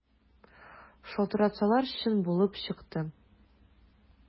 Шалтыратсалар, чын булып чыкты.